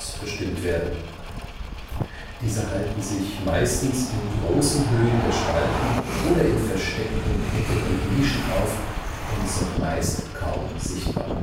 bestimmt werden. Diese halten sich meistens in großen Höhen der Spalten oder in versteckten Ecken und Nischen auf und sind meist kaum sichtbar